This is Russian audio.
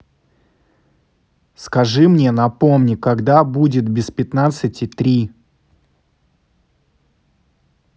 скажи мне напомни когда будет без пятнадцати три